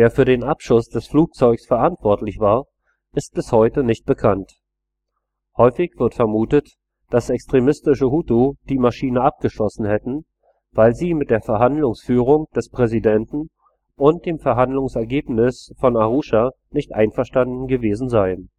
für den Abschuss des Flugzeugs verantwortlich war, ist bis heute nicht bekannt. Häufig wird vermutet, dass extremistische Hutu die Maschine abgeschossen hätten, weil sie mit der Verhandlungsführung des Präsidenten und dem Verhandlungsergebnis von Arusha nicht einverstanden gewesen seien